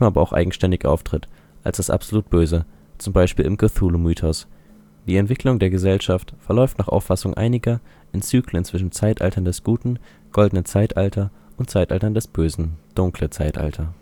auch eigenständig auftritt als das absolut Böse (z. B. im Cthulhu-Mythos). Die Entwicklung der Gesellschaft verläuft nach Auffassung einiger in Zyklen zwischen Zeitaltern des Guten, Goldene Zeitalter, und Zeitaltern des Bösen, Dunkle Zeitalter